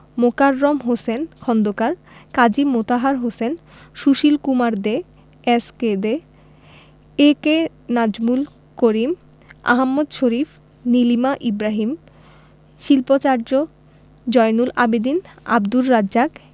Mokarram Hossain Khandakar Kazi Motahar Hossain Sushil Kumar De S K De A K Nazmul Karim Ahmad Sharif Nilima Ibrahim শিল্পাচার্য জয়নুল আবেদীন আবদুর রাজ্জাক